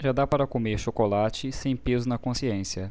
já dá para comer chocolate sem peso na consciência